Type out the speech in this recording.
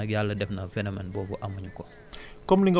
waaw mais ren nag yàlla def na phénomène boobu amul quoi